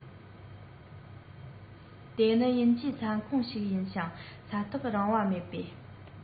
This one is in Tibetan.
དེ ནི དབྱིན ཇིའི ས ཁོངས ཤིག ཡིན ཞིང ས ཐག རིང པོ མེད པས